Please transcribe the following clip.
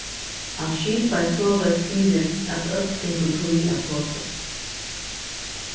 hann skipaði soleiðis fyri at øll fingu tíð at tosa